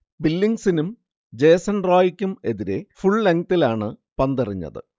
ബില്ലിങ്സിനും Jason റോയിക്കും എതിരെ ഫുൾലെങ്തിലാണു പന്തെറിഞ്ഞത്